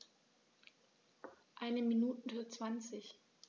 Eine Minute 20